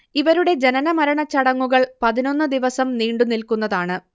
ഇവരുടെ ജനനമരണച്ചടങ്ങുകൾ പതിനൊന്ന് ദിവസം നീണ്ടു നില്ക്കുന്നതാണ്